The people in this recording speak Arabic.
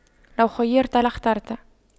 لو خُيِّرْتُ لاخترت